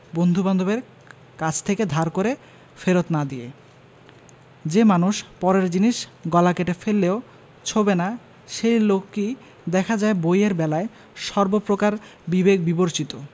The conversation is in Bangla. বন্ধুবান্ধবের কাছ থেকে ধার করে ফেরত্ না দিয়ে যে মানুষ পরের জিনিস গলা কেটে ফেললেও ছোঁবে না সেই লোকই দেখা যায় বইয়ের বেলায় সর্বপ্রকার বিবেক বিবর্জিত